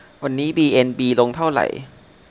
วันนี้บีเอ็นบีลงเท่าไหร่